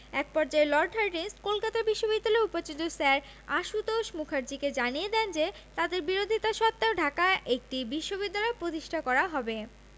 এক পর্যায়ে Lord Hardinge Kolkata বিশ্ববিদ্যালয়ের উপাচার্য স্যার আশুতোষ মুখার্জীকে জানিয়ে দেন যে তাঁদের বিরোধিতা সত্ত্বেও ঢাকায় একটি বিশ্ববিদ্যালয় প্রতিষ্ঠা করা হবে